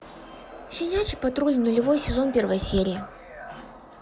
щенячий патруль нулевой сезон первая серия